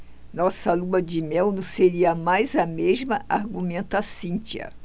nossa lua-de-mel não seria mais a mesma argumenta cíntia